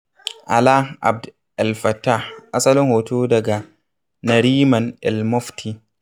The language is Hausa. Alaa Abd El Fattah, asalin hoto daga Nariman El-Mofty.